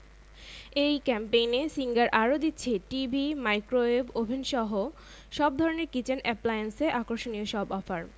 ইসপের গল্প নেকড়ে ও ভেড়ার গল্প